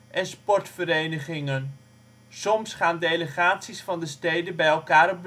en sportverenigingen. Soms gaan delegaties van de steden bij elkaar